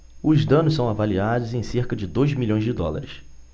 os danos são avaliados em cerca de dois milhões de dólares